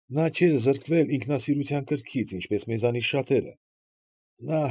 Նա դեռ չէր զրկվել ինքնասիրության կրքից, ինչպես մեզանից շատերը։